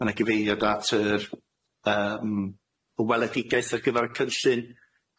ma' na gyfeiriad at yr yym y weledigaeth ar gyfar y cynllun,